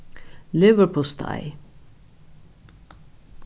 livurpostei